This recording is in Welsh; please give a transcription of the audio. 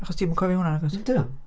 Achos ti'm yn cofio hwnna nag wyt... Yndw.